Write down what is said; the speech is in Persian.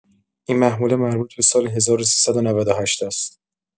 این محموله مربوط به سال ۱۳۹۸ است.